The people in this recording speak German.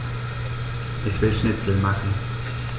Ich will Schnitzel machen.